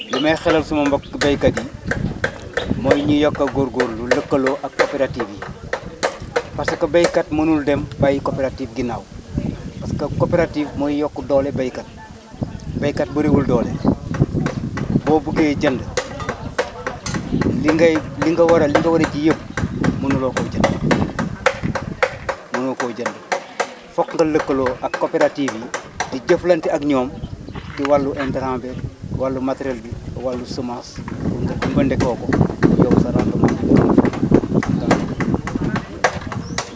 li may xelal sama mbokku baykat yi mooy ñu yokk a góor-góorlu lëkkaloo ak coopératives yi parce que baykat mënul dem bàyyi coopérative ginnaaw parce que coopérative mooy yokku doole baykat baykat bëriwul doole boo bëggee jënd li ngay li nga war a li nga war a ji yëpp mënuloo koo jënd mënoo koo jënd fokk nga lëkkaloo ak coopératives yi di jëflante ak ñoom ci wàllu intrant beeg wàllu matériels bi wàllu semence jafandikoo ko yokku sa rendement